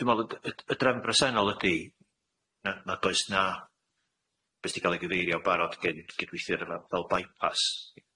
Dwi me'wl y dy- y dy- y drefn bresennol ydi na- nad oes na be' sy ga'l ei gyfeirio barod gen- gydweithiwr fel by-pass.